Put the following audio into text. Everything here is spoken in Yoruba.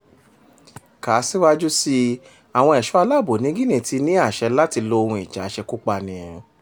Kà síwájú sí i: Àwọn ẹ̀ṣọ́ aláàbò ní Guinea ti ní àṣẹ láti lo ohun ìjà aṣekúpani